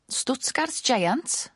Stutgart giant